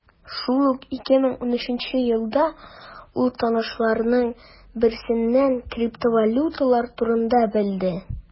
Шул ук 2013 елда ул танышларының берсеннән криптовалюталар турында белде.